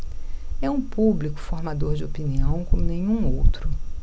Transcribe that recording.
é um público formador de opinião como nenhum outro